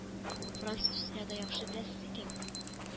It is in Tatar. Французча да яхшы беләсез икән